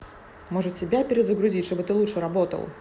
можешь себя перезагрузить чтобы ты лучше работал